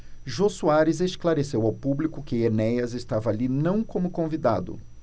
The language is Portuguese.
jô soares esclareceu ao público que enéas estava ali não como convidado